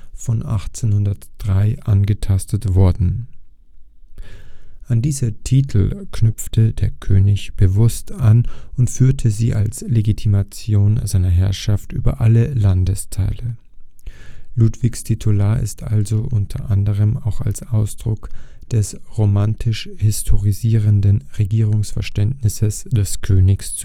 von 1803 angetastet worden. An diese Titel knüpfte der König bewusst an und führte sie als Legitimation seiner Herrschaft über alle Landesteile. Ludwigs Titulatur ist also unter anderem auch als Ausdruck des romantisch historisierenden Regierungsverständnisses des Königs